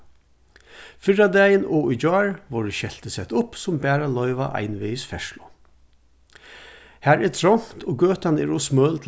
fyrradagin og í gjár vórðu skelti sett upp sum bara loyva einvegis ferðslu har er trongt og gøtan er ov smøl